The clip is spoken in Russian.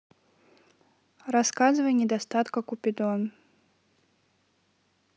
рассказывай недостатка купидон